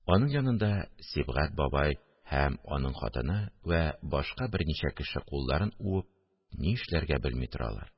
Аның янында Сибгать бабай һәм аның хатыны вә башка берничә кеше кулларын уып, ни эшләргә белми торалар